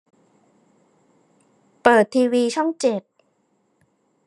เปิดทีวีช่องเจ็ด